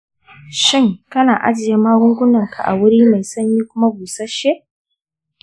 shin kana ajiye magungunanka a wuri mai sanyi kuma busasshen?